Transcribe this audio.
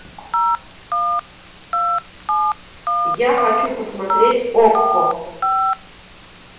я хочу посмотреть окко